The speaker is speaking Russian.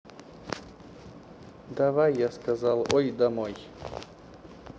давай я сказал ой домой